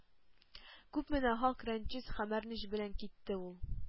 Күпме нахак рәнҗеш һәм әрнеш белән китте ул г